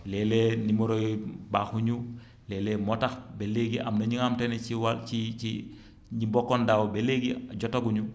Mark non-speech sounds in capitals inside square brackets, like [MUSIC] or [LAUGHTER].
léeg-léeg numéros yooyu baaxuñu [INHALES] léeg-léeg moo tax ba léegi am na ñi nga xamante ni ci wàl ci ci ñi bokkoon daaw ba léegi jotaguñu